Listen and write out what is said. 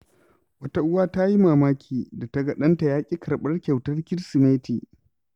Wata uwa ta yi mamaki da ta ga ɗanta ya ƙi karɓar kyautar Kirsimeti.